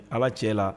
Ala cɛla